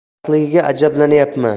sariqligiga ajablanyapman